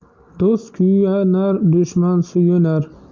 do'st kuyunar dushman suyunar